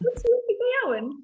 Wyt ti wedi go iawn?